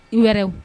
I yɛrɛ wu